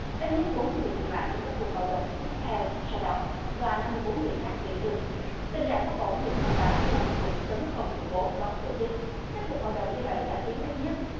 ít nhất bốn mươi người thiệt mạng trong các cuộc bạo động tiếp theo sau đó và năm mươi bốn người khác bị thương tình trạng bất ổn được mô tả như là một cuộc tấn công khủng bố có tổ chức các cuộc bạo động như vậy đã khiến ít nhất